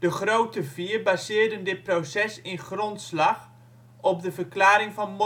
Grote Vier baseerden dit proces in grondslag op de Verklaring van